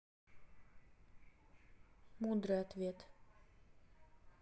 мудрый ответ